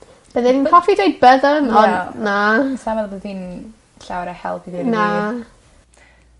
Bydda i'n hoffi dweud byddwn ond na. Sain meddwl bo' di'n llawer o help i ddweud y gwir. Na.